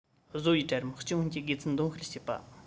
བཟོ པའི གྲལ རིམ སྤྱི ཡོངས ཀྱི དགེ མཚན འདོན སྤེལ བྱེད པ